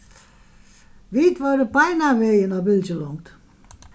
vit vóru beinanvegin á bylgjulongd